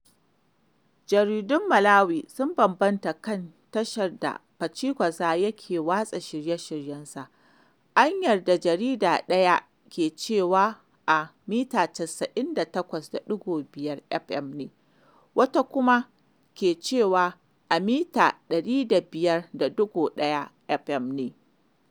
Jaridun Malawi sun bambanta kan tashar da Pachikweza yake watsa shirye-shiryensa, an yadda jarida ɗaya ke cewa a 98.5FM ne, wata kuma ke cewa a 105.1FM ne.